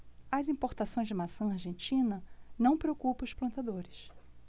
as importações de maçã argentina não preocupam os plantadores